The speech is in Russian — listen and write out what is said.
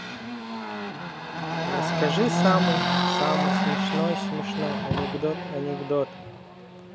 расскажи самый самый смешной смешной анекдот анекдот